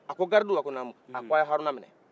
a ko garidi a ko naamu a ko a ye haruna minɛ